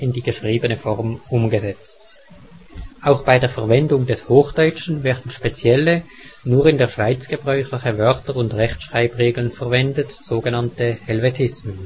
die geschriebene Form umgesetzt. Auch bei der Verwendung des Hochdeutschen werden spezielle, nur in der Schweiz gebräuchliche Wörter und Rechtschreibregeln verwendet, so genannte Helvetismen